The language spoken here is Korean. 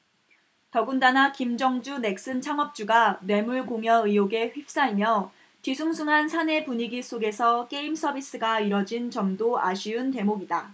더군다나 김정주 넥슨 창업주가 뇌물 공여 의혹에 휩싸이며 뒤숭숭한 사내 분위기 속에서 게임 서비스가 이뤄진 점도 아쉬운 대목이다